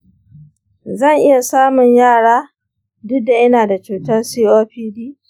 zan iya samun yara duk da ina da cutar copd?